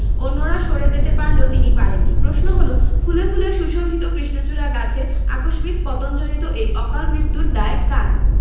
অন্যরা সরে যেতে পারলেও তিনি পারেননি প্রশ্ন হলো ফুলে ফুলে সুশোভিত কৃষ্ণচূড়া গাছের আকস্মিক পতনজনিত এই অকালমৃত্যুর দায় কার